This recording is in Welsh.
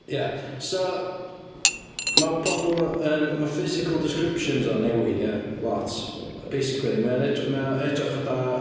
Ia so mae pobl yn... mae physical descriptions o'n newid ia, lots. Basically mae o edr- mae'n edrych fatha...